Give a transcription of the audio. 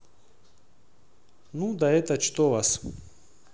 ну да это что вас